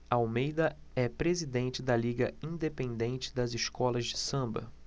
almeida é presidente da liga independente das escolas de samba